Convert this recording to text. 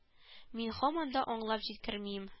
Мин һаман да аңлап җиткермим